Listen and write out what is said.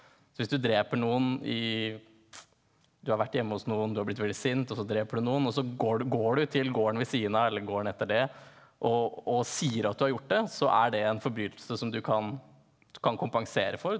så hvis du dreper noen i du har vært hjemme hos noen, du har blitt veldig sint og så dreper du noen og så går du går du til gården ved siden av eller gården etter det og og sier at du har gjort det så er det en forbrytelse som du kan du kan kompensere for.